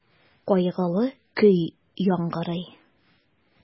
Кайгылы көй яңгырый.